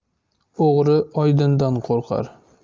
o'g'ri oydindan qo'rqar